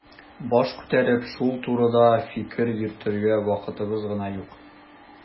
Баш күтәреп шул турыда фикер йөртергә вакытыбыз гына юк.